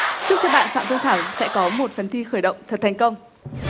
chúc cho bạn phạm phương thảo sẽ có một phần thi khởi động thật thành công